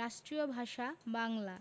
রাষ্ট্রীয় ভাষা বাংলা